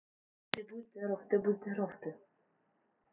ты будь здоров ты будь здоров ты